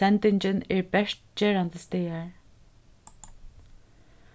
sendingin er bert gerandisdagar